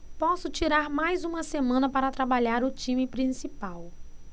posso tirar mais uma semana para trabalhar o time principal